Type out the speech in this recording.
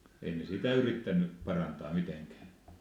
ei ne sitä yrittäneet parantaa mitenkään